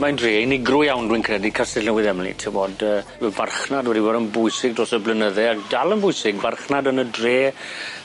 Ma'n dre unigryw iawn dwi'n credu Castell Newydd Emly t'mod yy ma' farchnad wedi bod yn bwysig dros y blynydde a dal yn bwysig farchnad yn y dre